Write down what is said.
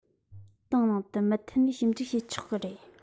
ཏང ནང དུ མུ མཐུད ནས ཞིབ འཇུག བྱས ཆོག གི རེད